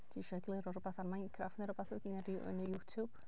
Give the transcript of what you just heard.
Ti isio egluro rywbeth am Minecraft neu rywbeth yn y YouTube?